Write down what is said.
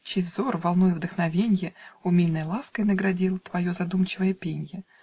Чей взор, волнуя вдохновенье, Умильной лаской наградил Твое задумчивое пенье?